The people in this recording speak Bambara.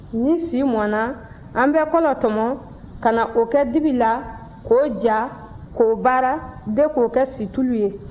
ni si mɔna an bɛ kɔlɔ tɔmɔ ka na o kɛ dibi la k'o ja k'o baara de k'o kɛ situlu ye